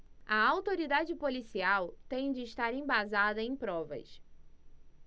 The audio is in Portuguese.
a autoridade policial tem de estar embasada em provas